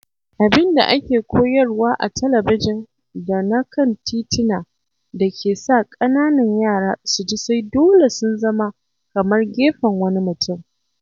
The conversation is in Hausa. Abin da ake koyar wa a talabijin, da na kan titina, da ke sa ƙananan yara su ji sai dole sun zama kamar gefen wani mutum?